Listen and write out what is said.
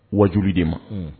Wajuli de ma